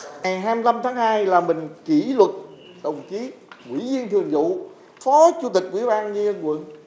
ngày hai mươi lăm tháng hai là mình kỷ luật đồng chí ủy viên thường vụ phó chủ tịch ủy ban nhân dân quận